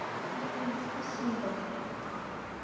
джой спасибо